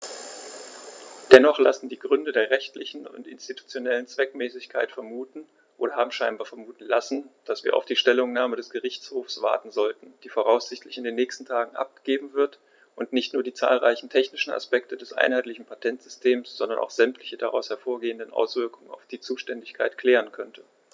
Dennoch lassen die Gründe der rechtlichen und institutionellen Zweckmäßigkeit vermuten, oder haben scheinbar vermuten lassen, dass wir auf die Stellungnahme des Gerichtshofs warten sollten, die voraussichtlich in den nächsten Tagen abgegeben wird und nicht nur die zahlreichen technischen Aspekte des einheitlichen Patentsystems, sondern auch sämtliche daraus hervorgehenden Auswirkungen auf die Zuständigkeit klären könnte.